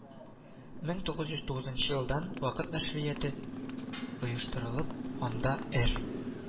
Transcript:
Бер мең тугыз йөз тугызынчы елдан вакыт нәшрияты оештырылып, анда р